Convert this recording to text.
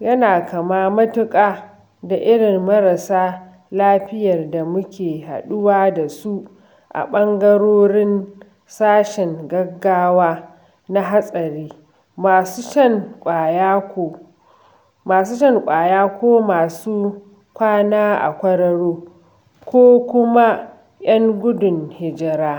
yana kama matuƙa da irin marasa lafiyar da muke haɗuwa da su a ɓangarorin sashen gaggawa na hatsari - masu shan ƙwaya ko masu kwana a kwararo ko kuma 'yan gudun hijira.